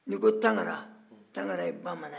n'i ko tangara tangara ye bamanan ye